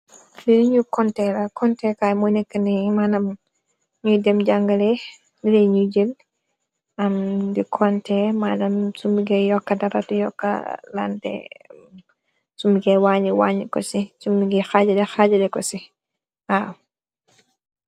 Lili ñu konte la konte koay mu nekk ni manam ñuy dem jàngale liley ñuy jël am di konte manam su mig yokka daratu yokkalante su mbige wàññ wàññ ko ci u migi xaajade xaajade ko ci a